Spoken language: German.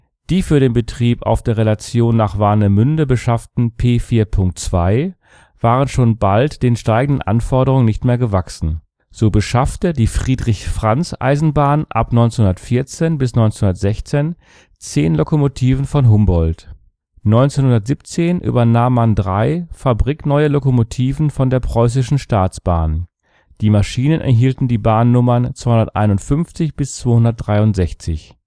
Die für den Betrieb auf der Relation nach Warnemünde beschafften P 4.2 waren schon bald den steigenden Anforderungen nicht mehr gewachsen. So beschaffte die Friedrich-Franz-Eisenbahn ab 1914 bis 1916 10 Lokomotiven von Humboldt. 1917 übernahm man drei fabrikneue Lokomotiven von der Preußischen Staatsbahn. Die Maschinen erhielten die Bahnnummern 251 bis 263